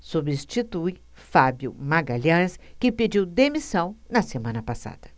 substitui fábio magalhães que pediu demissão na semana passada